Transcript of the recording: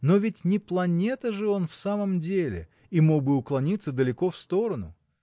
Но ведь не планета же он в самом деле — и мог бы уклониться далеко в сторону.